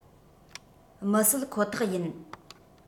མི སྲིད ཁོ ཐག ཡིན